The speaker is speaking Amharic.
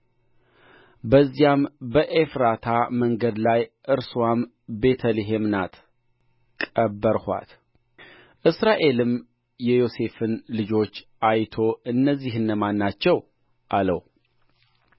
በዚያም በኤፍራታ መንገድ ላይ እርስዋም ቤተ ልሔም ናት ቀበርኋት እስራኤልም የዮሴፍን ልጆች አይቶ እነዚህ እነማን ናቸው አለው